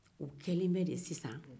u kɛlen bɛ de sisan